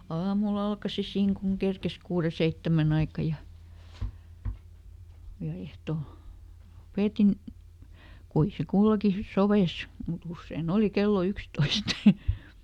aamulla alkoi siinä kun kerkesi kuuden seitsemän aikaan ja ja ehtoo lopetin kuinka se kulloinkin sopi mutta usein oli kello yksitoista